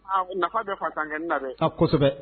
Aa nafa bɛ fa sankɛ na dɛ a kosɛbɛ